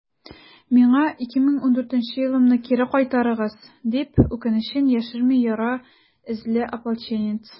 «миңа 2014 елымны кире кайтарыгыз!» - дип, үкенечен яшерми яра эзле ополченец.